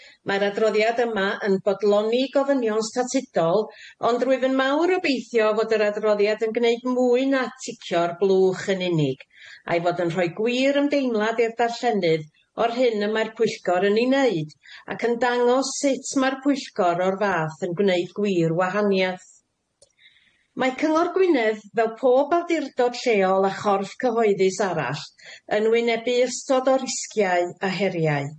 Mae'r adroddiad yma yn bodloni gofynion statudol, ond rwyf yn mawr obeithio fod yr adroddiad yn gneud mwy na ticio'r blwch yn unig, a'i fod yn rhoi gwir ymdeimlad i'r darllenydd o'r hyn y mae'r Pwyllgor yn ei wneud, ac yn dangos sut mae'r Pwyllgor o'r fath yn gwneud gwir wahaniath. Mae Cyngor Gwynedd, fel pob awdurdod lleol a chorff cyhoeddus arall, yn wynebu ystod o risgiau a heriau.